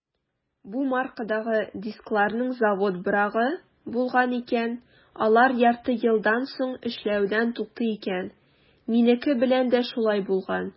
Бу маркадагы дискларның завод брагы булган икән - алар ярты елдан соң эшләүдән туктый икән; минеке белән дә шулай булган.